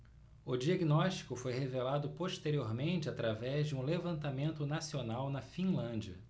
o diagnóstico foi revelado posteriormente através de um levantamento nacional na finlândia